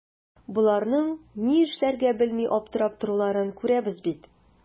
Боларның ни эшләргә белми аптырап торуларын күрәбез бит.